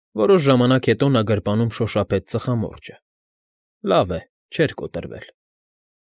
Որոշ ժամանակ հետո նա գրպանում շոշափեց ծխամորճը. լավ է, չէր կոտրվել։